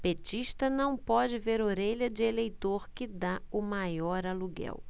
petista não pode ver orelha de eleitor que tá o maior aluguel